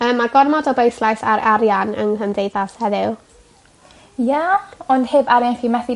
Yy mae gormod o bwyslais ar arian yng nghymdeithas heddiw. Ia ond heb arian chi methu